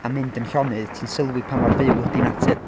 a mynd yn llonydd, ti'n sylwi pa mor fyw ydy natur.